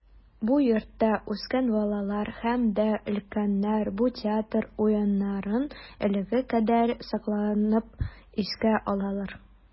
Бу йортта үскән балалар һәм дә өлкәннәр бу театр уеннарын әлегә кадәр сокланып искә алалар.